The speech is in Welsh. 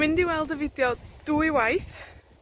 mynd i weld y fideo dwy waith.